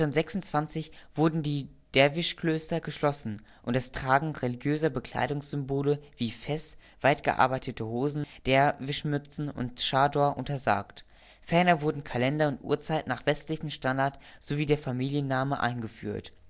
1926 wurden die Derwischklöster geschlossen und das Tragen religiöser Bekleidungssymbole wie Fes, weit gearbeiteten Hosen, Derwischmützen und Tschador, untersagt. Ferner wurden Kalender und Uhrzeit nach westlichem Standard sowie der Familienname eingeführt